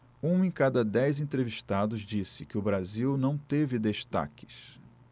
um em cada dez entrevistados disse que o brasil não teve destaques